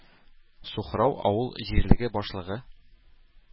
Сухрау авыл җирлеге башлыгы